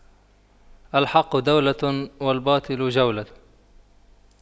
الحق دولة والباطل جولة